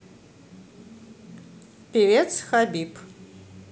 певец хабиб